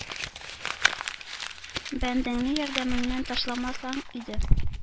Бәндәңне ярдәмеңнән ташламасаң иде”,